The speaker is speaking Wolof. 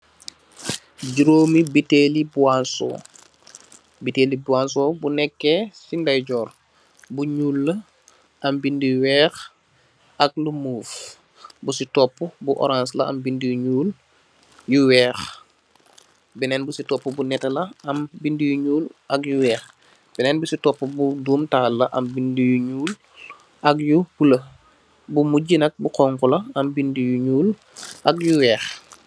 Juromi buteli boison, buteli boison bu nekeh si ndey jorr. Bu nyul la am bindi yu wekh ak lu move, busi topu bu orange la am bindi yu nyul, yu wekh, benen busi topu bu netela am bindi yu nyul, yu wekh, bene busi topu bu bu domtall la am bindi yu nyul ak yu bulo, busi mungi nak bu xoxula am bindi yu nyul ak yu wekh.